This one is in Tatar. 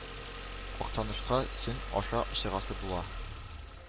Актанышка Сөн аша чыгасы була.